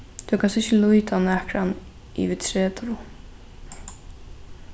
tú kanst ikki líta á nakran yvir tretivu